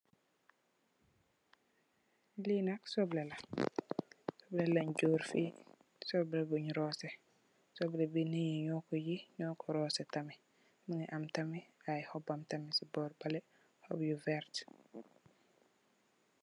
Li nak sobleh la, sobleh lèèn joor fi. Sobleh buñ rooseh, sobleh bi ño ko gii ño rooseh tamid, mugii am tamid ay xobbam tamid ci bór bale.